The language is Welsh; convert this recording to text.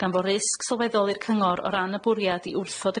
gan bo' risg sylweddol i'r cyngor o ran y bwriad i wrthod